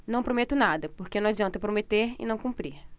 não prometo nada porque não adianta eu prometer e não cumprir